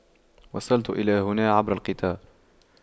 وصلت الى هنا عبر القطار